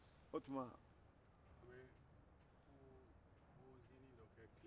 cɛkɔrɔba taara donsoya sigila